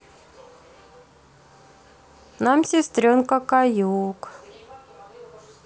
нам сестренка каюк